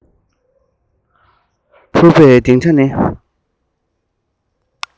འཕུར པའི གདེང ཆ ནི